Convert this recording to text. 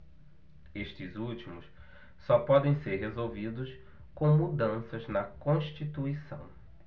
estes últimos só podem ser resolvidos com mudanças na constituição